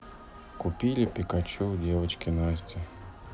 купили пикачу девочке насте